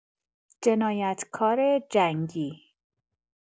جنایتکار جنگی